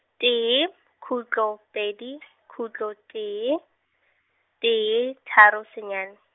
tee, khutlo pedi , khutlo tee, tee tharo senyane.